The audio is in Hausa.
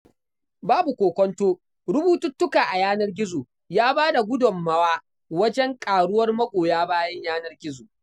Babu kokwanto rubututtuka a yanar gizo ya ba da gudunmawa wajen ƙaruwar magoya bayan yanar gizo